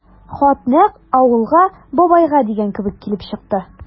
Хат нәкъ «Авылга, бабайга» дигән кебек килеп чыкты.